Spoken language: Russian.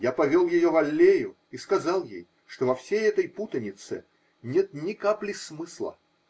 Я повел ее в аллею и сказал ей, что во всей этой путанице нет ни капли смысла.